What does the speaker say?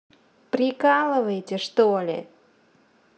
прикалываете что ли